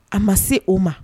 A ma se o ma